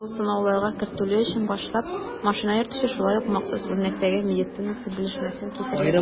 Бу сынауларга кертелү өчен башлап машина йөртүче шулай ук махсус үрнәктәге медицинасы белешмәсен китерергә тиеш.